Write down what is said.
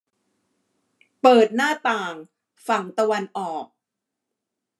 เปิดหน้าต่างฝั่งตะวันออก